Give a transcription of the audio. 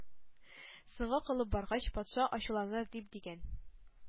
Соңга калып баргач, патша ачуланыр бит! — дигән.